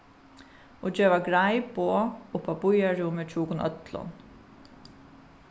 og geva greið boð upp á býarrúmið hjá okkum øllum